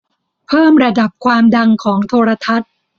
เพิ่มระดับความดังของโทรทัศน์